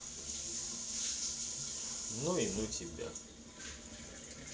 ну и ну тебя